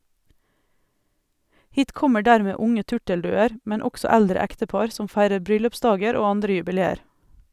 Hit kommer dermed unge turtelduer , men også eldre ektepar som feirer bryllupsdager og andre jubileer.